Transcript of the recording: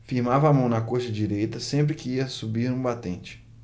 firmava a mão na coxa direita sempre que ia subir um batente